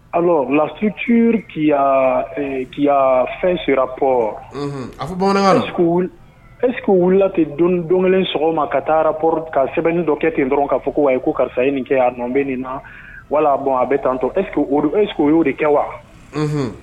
la su cya fɛn seraɔ a eski wulilala tɛ don don kelen sɔgɔma ka taa poro ka sɛbɛnnen dɔ kɛ ten dɔrɔn k kaa fɔ ko wa ye ko karisa ye nin kɛ a nɔ bɛ nin na wala bɔn a bɛ taa tɔ es es y'o de kɛ wa